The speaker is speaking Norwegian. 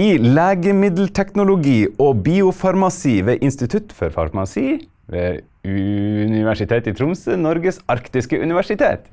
i legemiddelteknologi og biofarmasi ved Institutt for farmasi ved Universitet i Tromsø, Norges arktiske universitet .